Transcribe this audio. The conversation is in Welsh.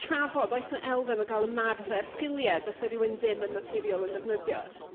trafod oes 'na elfen o ga'l ymarfer sgilie bysse rywun ddim yn naturiol yn ddefnyddio?